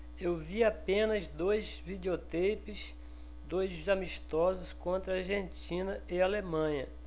eu vi apenas dois videoteipes dos amistosos contra argentina e alemanha